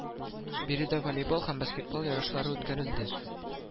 Биредә волейбол һәм баскетбол ярышлары үткәрелде